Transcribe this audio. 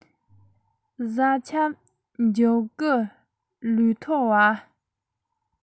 གཟའ ཁྱབ འཇུག སྐུ ལུས ཐོར བ